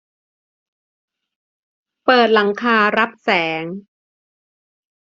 เปิดหลังคารับแสง